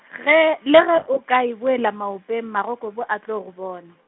ge, le ge o ka e buela maopeng magokobu a tlo go bona.